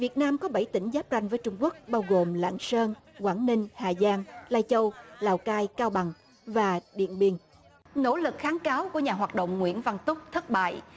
việt nam có bảy tỉnh giáp ranh với trung quốc bao gồm lạng sơn quảng ninh hà giang lai châu lào cai cao bằng và điện biên nỗ lực kháng cáo của nhà hoạt động nguyễn văn túc thất bại